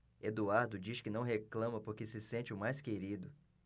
eduardo diz que não reclama porque se sente o mais querido